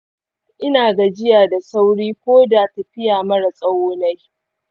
ina gajiya da sauri ko da tafiya mara tsawo nayi.